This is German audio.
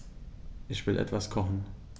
Ich will etwas kochen.